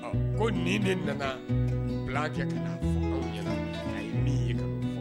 Ko nin de nana bila ka fɔ min